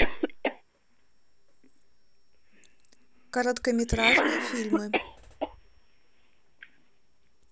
короткометражные фильмы